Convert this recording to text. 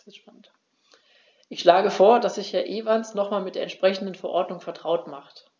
Ich schlage vor, dass sich Herr Evans nochmals mit der entsprechenden Verordnung vertraut macht.